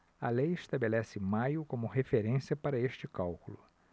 a lei estabelece maio como referência para este cálculo